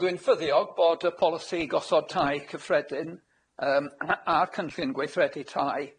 Wel dwi'n ffyddiog bod y Polisi Gosod Tai Cyffredin yym a- a'r Cynllun Gweithredu Tai,